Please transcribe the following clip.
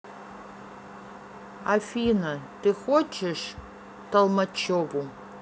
афина ты хочешь толмачеву